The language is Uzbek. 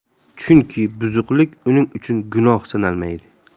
chunki buzuqlik uning uchun gunoh sanalmaydi